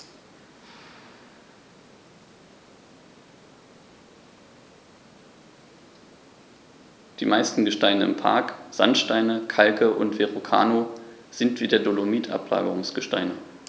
Die meisten Gesteine im Park – Sandsteine, Kalke und Verrucano – sind wie der Dolomit Ablagerungsgesteine.